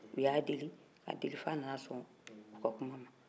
u y' a deli fɔ a nana sɔn u ka kuma ma